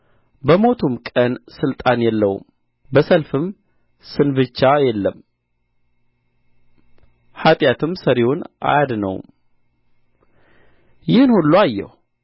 በሞቱም ቀን ሥልጣን የለውም በሰልፍም ስንብቻ የለም ኃጢአትም ሠሪውን አያድነውም ይህን ሁሉ አየሁ